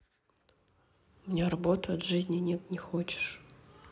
у меня работа от жизни нет не хочешь